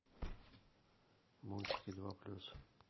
мультики два плюс